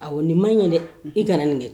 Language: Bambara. A nin ma ɲɛ dɛ i kana nin kɛ tɛ